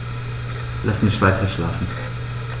Lass mich weiterschlafen.